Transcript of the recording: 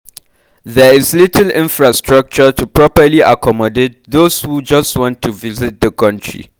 There is little infrastructure to properly accommodate those who want to come just to visit the country.